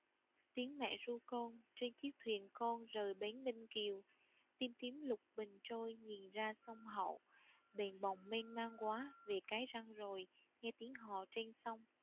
tiếng mẹ ru con trên chiếc thuyền con rời bến ninh kiều tim tím lục bình trôi nhìn ra sông hậu bềnh bồng mênh mang quá về cái răng rồi nghe tiếng hò trên sông